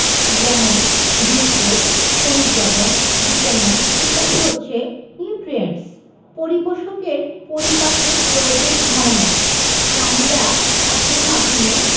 যেমন গ্লুকোজ খনিজ লবন ভিটামিন ইত্যাদি হচ্ছে নিউট্রিয়েন্টস পরিপোষকের পরিপাকের প্রয়োজন হয় না প্রাণীরা খাদ্যের মাধ্যমে